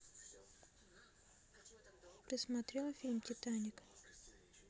ты смотрела фильм титаник